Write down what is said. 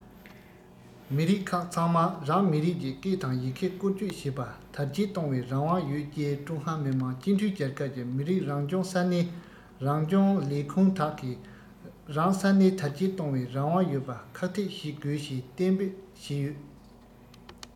མི རིགས ཁག ཚང མར རང མི རིགས ཀྱི སྐད དང ཡི གེ བཀོལ སྤྱོད བྱེད པ དར རྒྱས གཏོང བའི རང དབང ཡོད ཅེས ཀྲུང ཧྭ མི དམངས སྤྱི མཐུན རྒྱལ ཁབ ཀྱི མི རིགས རང སྐྱོང ས གནས རང སྐྱོང ལས ཁུངས དག གིས རང ས གནས དར རྒྱས གཏོང བའི རང དབང ཡོད པ ཁག ཐེག བྱེད དགོས ཞེས གཏན འབེབས བྱས ཡོད